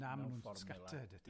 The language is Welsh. Na, maen nhw'n scattered ydi.